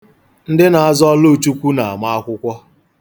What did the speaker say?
Ndị na-aza Ọlụchukwu na-ama akwụkwọ.